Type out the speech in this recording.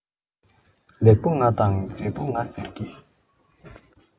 ལེགས པོ ང དང མཛེས པོ ང ཟེར གྱི